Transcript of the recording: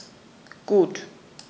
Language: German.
Gut.